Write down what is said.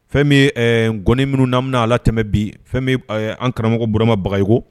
Fɛn min yee ɛɛ ngɔni minnu n'an mina a la tɛmɛ bi fɛn min ye b ɛɛ an' karamɔgɔ Burama Bagayoko